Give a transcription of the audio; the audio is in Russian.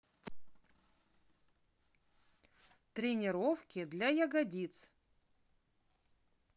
тренировки для ягодиц